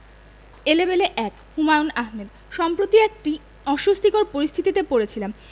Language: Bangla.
এলেবেলে ১ হুমায়ূন আহমেদ সম্প্রতি একটি অস্বস্তিকর পরিস্থিতিতে পড়েছিলাম